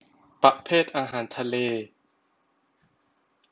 ประเภทอาหารทะเล